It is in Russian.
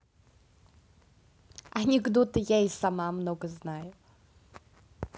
анекдоты я и сама много знаю